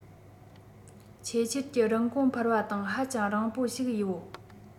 ཆེས ཆེར ཀྱི རིན གོང འཕར བ དང ཧ ཅང རིང པོ ཞིག ཡོད